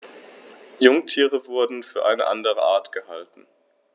Jungtiere wurden für eine andere Art gehalten.